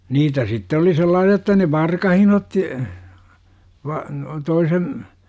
niitä sitten oli sellaisia jotta ne varkain otti - toisen